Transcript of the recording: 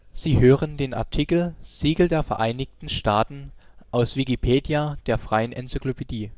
Sie hören den Artikel Großes Siegel der Vereinigten Staaten, aus Wikipedia, der freien Enzyklopädie